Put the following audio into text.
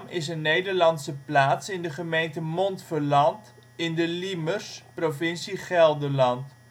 is een Nederlandse plaats in de gemeente Montferland in de Liemers, provincie Gelderland